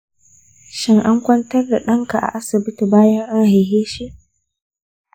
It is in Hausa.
shin an kwantar da ɗanka a asibiti bayan an haife shi?